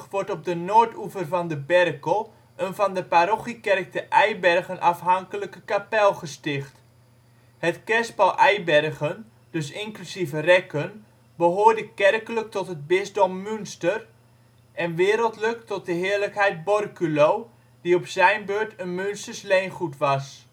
wordt op de noordoever van de Berkel een van de parochiekerk te Eibergen afhankelijke kapel gesticht. Het kerspel Eibergen, dus inclusief Rekken, behoorde kerkelijk tot het bisdom Munster en wereldlijk tot de heerlijkheid Borculo, die op zijn beurt een Munsters leengoed was